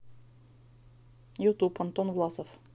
ютуб антон власов